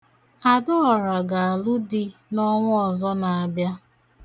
Adaọra ga-alụ dị n'ọnwa ọzọ na-abịa.